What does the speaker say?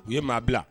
U ye maa bila